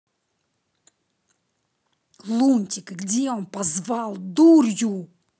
лунтик где он позвал дурью